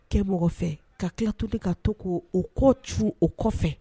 Kɛ mɔgɔ fɛ ka tilatuli ka to ko o kɔ tu o kɔfɛ